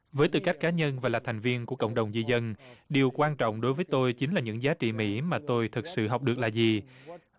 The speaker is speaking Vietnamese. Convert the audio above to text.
với tư cách cá nhân và là thành viên của cộng đồng di dân điều quan trọng đối với tôi chính là những giá trị mỹ mà tôi thực sự học được là gì